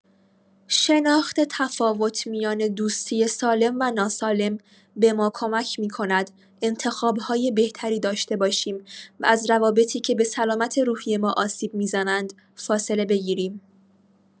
شناخت تفاوت میان دوستی سالم و ناسالم به ما کمک می‌کند انتخاب‌های بهتری داشته باشیم و از روابطی که به سلامت روحی ما آسیب می‌زنند فاصله بگیریم.